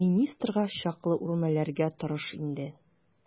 Министрга чаклы үрмәләргә тырыш инде.